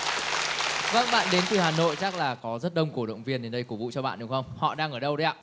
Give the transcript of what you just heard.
vâng bạn đến từ hà nội chắc là có rất đông cổ động viên đến đây cổ vũ cho bạn đúng không họ đang ở đâu đấy ạ